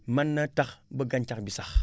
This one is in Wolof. mën na tax ba gàncax gi sax